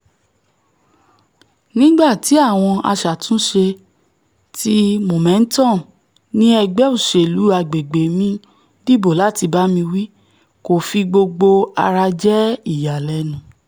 nígbà tí àwọn aṣatúnṣe ti Momentum ni ẹgbẹ́ òṣèlu agbègbè mi dìbò láti bámi wí, kò fi gbogbo ara jẹ́ ìyàlẹ̵́nu.